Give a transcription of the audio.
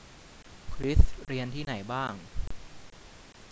คริสเรียนที่ไหนบ้าง